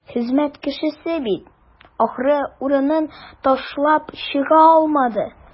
Хезмәт кешесе бит, ахры, урынын ташлап чыга алмады.